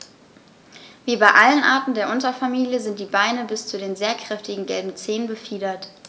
Wie bei allen Arten der Unterfamilie sind die Beine bis zu den sehr kräftigen gelben Zehen befiedert.